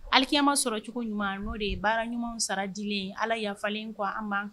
Alikiyama sɔrɔ cogo ɲuman n'o de ye baara ɲuman sara di ala yafafalen ko an'an